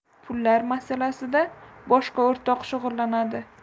pullar masalasida boshqa o'rtoq shug'ullanadi